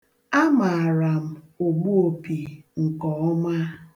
A maara m ogbuopi nkeọma.